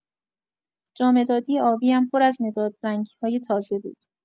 جامدادی آبی‌م پر از مداد رنگی‌های تازه بود.